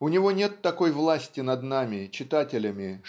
У него нет такой власти над нами читателями